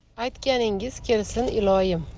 aytganingiz kelsin iloyim